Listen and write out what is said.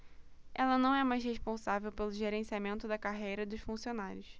ela não é mais responsável pelo gerenciamento da carreira dos funcionários